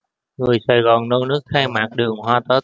người sài gòn nô nức khai mạc đường hoa tết